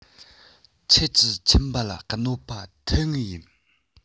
ཁྱེད ཀྱི མཆིན པ ལ གནོད པ ཐོབ ངེས ཡིན